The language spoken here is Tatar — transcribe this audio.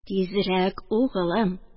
Тизрәк, угылым